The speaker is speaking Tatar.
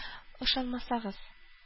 Ышанмасагыз